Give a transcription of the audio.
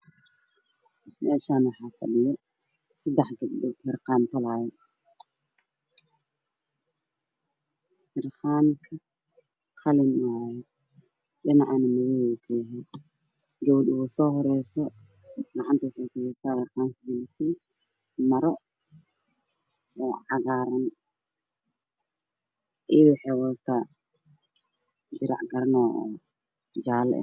Meshan waxa fadhiya sadex gabdhood tasoohorayso waxay gacantaku haysaa oo cagaaraniyo waxay wadataa firacjaale